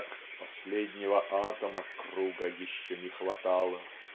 как "последнего атома круга еще не хватало".